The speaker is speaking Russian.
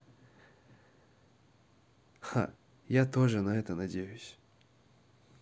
ха я тоже на это надеюсь